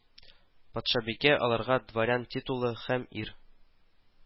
Патшабикә аларга дворян титулы һәм ир